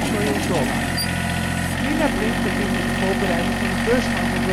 miljoen dollar. Nina Brink begint met de voorbereidingen van de beursgang van